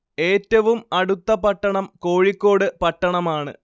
ഏറ്റവും അടുത്ത പട്ടണം കോഴിക്കോട് പട്ടണമാണ്